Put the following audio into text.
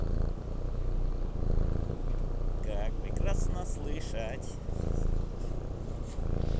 как прекрасно слышать